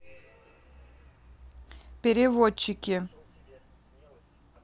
переводчики